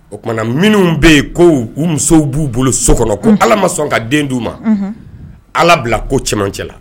O tuma minnu bɛ yen, ko u musow b'u bolo so kɔnɔ, unhun, ko Ala ma sɔn ka den d'u ma, unhun, Ala bila ko cɛmancɛ la.